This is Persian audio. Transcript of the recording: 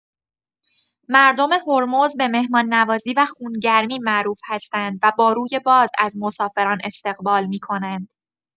مردم هرمز به مهمان‌نوازی و خونگرمی معروف هستند و با روی باز از مسافران استقبال می‌کنند.